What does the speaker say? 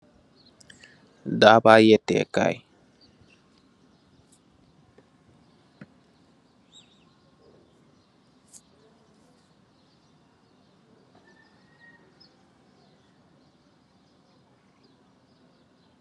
Daaba yete kaay